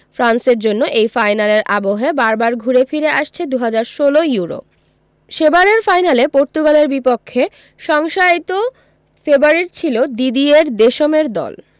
ফ্রান্সের জন্য এই ফাইনালের আবহে বারবার ঘুরে ফিরে আসছে ২০১৬ ইউরো সেবারের ফাইনালে পর্তুগালের বিপক্ষে সংশয়াতীত ফেভারিট ছিল দিদিয়ের দেশমের দল